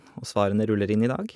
Og svarene ruller inn i dag.